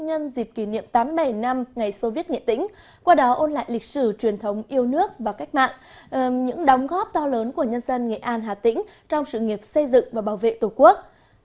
nhân dịp kỷ niệm tám bảy năm ngày xô viết nghệ tĩnh qua đó ôn lại lịch sử truyền thống yêu nước và cách mạng những đóng góp to lớn của nhân dân nghệ an hà tĩnh trong sự nghiệp xây dựng và bảo vệ tổ quốc